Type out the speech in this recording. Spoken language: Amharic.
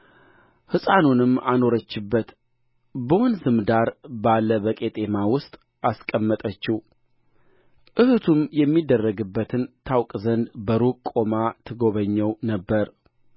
ሕፃኑንም አኖረችበት በወንዝም ዳር ባለ በቄጠማ ውስጥ አስቀመጠችው እኅቱም የሚደረግበትን ታውቅ ዘንድ በሩቅ ቆማ ትጎበኘው ነበር